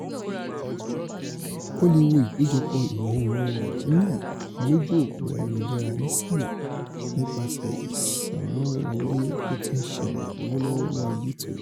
Ó leè wo ìpéjọpọ̀ Ìwọ-oòrùn Virginia lójú-òpó ayelujara nísàlẹ̀ nípaṣẹ̀ ìsànwọlé bótíńṣẹlẹ̀ lọ́wọ́lọ́wọ́ lórí YouTube.